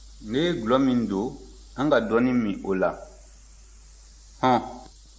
ne ye dɔlɔ min don an ka dɔɔnin min o la hɔn